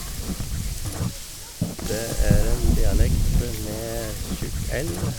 Det er en dialekt med tjukk l.